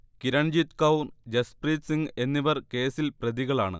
കിരൺജീത് കൗർ, ജസ്പ്രീത് സിങ് എന്നിവർ കേസിൽ പ്രതികളാണ്